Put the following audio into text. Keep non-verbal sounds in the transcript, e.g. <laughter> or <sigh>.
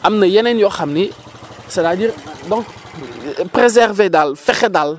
am na yeneen yoo xam ne <noise> c' est la vie donc <noise> préserver daal fexe daal